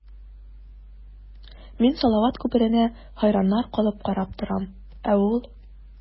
Мин салават күперенә хәйраннар калып карап торам, ә ул...